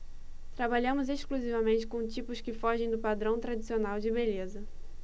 trabalhamos exclusivamente com tipos que fogem do padrão tradicional de beleza